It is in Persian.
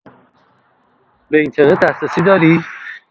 به اینترنت دسترسی داری؟